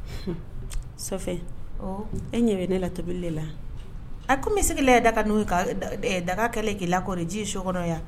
Hun, safɛ, e ɲɛ bɛ ne la tobili de la ? Aa, kɔmi i sigilen yɛ daga kɛlɛ k'i la kɔri so kɔnɔ yan. Se